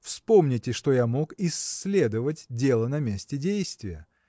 Вспомните, что я мог исследовать дело на месте действия.